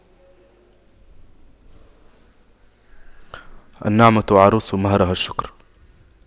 النعمة عروس مهرها الشكر